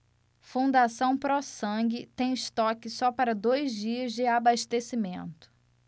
fundação pró sangue tem estoque só para dois dias de abastecimento